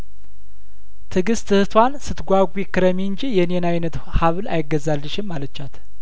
ትግስት እህቷን ስትጓጉ ክረሚ እንጂ የኔን አይነት ሀብል አይገዛልሽም አለቻት